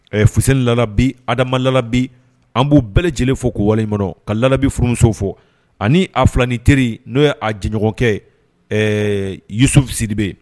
Fus labi ha adamalabi an b'u bɛɛ lajɛlen fo ko wale ma ka labi furumuso fɔ ani a filan ni teri n'o ye a jɛɲɔgɔnkɛ yesufisi bɛ yen